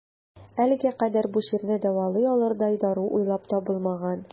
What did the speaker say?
Әлегә кадәр бу чирне дәвалый алырдай дару уйлап табылмаган.